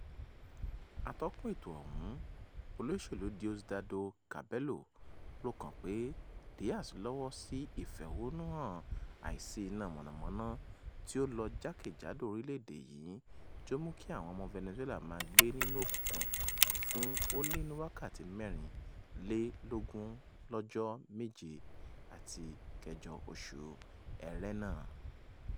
Atọ́kùn ètò ọ̀hún, olóṣèlú Diosdado Cabello, rò kàn pé Díaz lọ́wọ́ sí ìfẹ̀hónú hàn àìsí ináa mọ̀nàmọ̀nà tí ò lọ jákèjádò orílẹ̀ èdè èyí tí ó mú kí àwọn ọmọ Venezuela máa gbé nínú òkùnkùn fún ó lé ní wákàtí mẹ́rin lé lógún lọ́jọ́ 7 àti 8 Oṣù Ẹrẹ́nà